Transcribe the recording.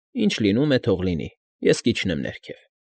Ինչ լինում է՝ թող լինի, ես կիջնեմ ներքև։